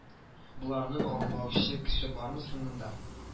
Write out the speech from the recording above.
Боларны аңлаучы кеше бармы соң монда